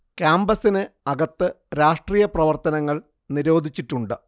ക്യാമ്പസിന് അകത്ത് രാഷ്ട്രീയ പ്രവർത്തനങ്ങൾ നിരോധിച്ചിട്ടുണ്ട്